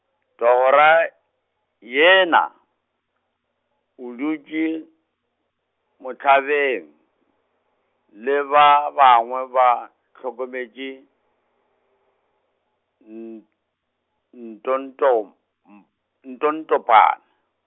Tora, yena , o dutše, mohlabeng, le ba bangwe ba hlokometše, n-, ntontom- m-, Ntotompane.